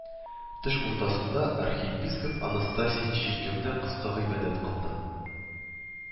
Төш уртасында архиепископ Анастасий чиркәүдә кыска гыйбадәт кылды